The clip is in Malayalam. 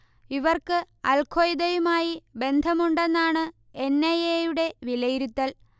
ഇവർക്ക് അൽ ഖ്വയ്ദയുമായി ബന്ധമുണ്ടെന്നാണ് എൻ. ഐ. എ യുടെ വിലയിരുത്തൽ